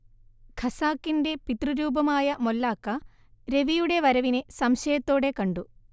ഖസാക്കിന്റെ പിതൃരൂപമായ മൊല്ലാക്ക രവിയുടെ വരവിനെ സംശയത്തോടെ കണ്ടു